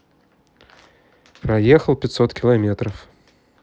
проехал пятьсот километров